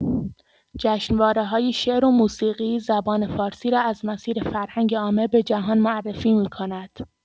جشنواره‌های شعر و موسیقی، زبان فارسی را از مسیر فرهنگ عامه به جهان معرفی می‌کند.